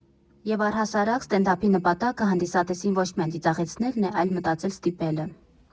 Եվ առհասարակ՝ սթենդափի նպատակը հանդիսատեսին ոչ միայն ծիծաղեցնելն է, այլ մտածել ստիպելը.